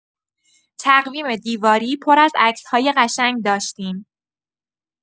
تقویم دیواری پر از عکس‌های قشنگ داشتیم.